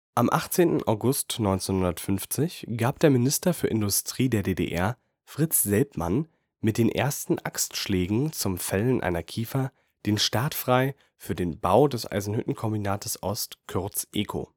Am 18. August 1950 gab der Minister für Industrie der DDR, Fritz Selbmann, mit den ersten Axtschlägen zum Fällen einer Kiefer den Start frei für den Bau des Eisenhüttenkombinats Ost (EKO